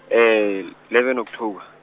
eleven October.